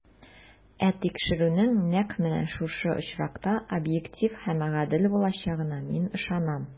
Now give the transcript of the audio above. Ә тикшерүнең нәкъ менә шушы очракта объектив һәм гадел булачагына мин ышанам.